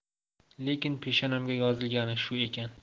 lekin peshonamga yozilgani shu ekan